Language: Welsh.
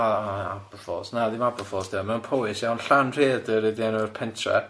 O o Aber Falls, na ddim Aber Falls 'di o, ma'n Powys iawn, Llanrhaeadr ydi enw'r pentra.